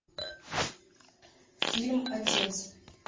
фильм отец